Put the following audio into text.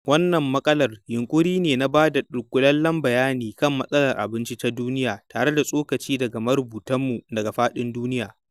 Wannan maƙalar yunƙuri ne na ba da dunƙulallen bayani kan matsalar abinci ta duniya tare da tsokaci daga marubutanmu daga faɗin duniya.